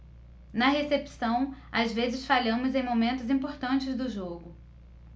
na recepção às vezes falhamos em momentos importantes do jogo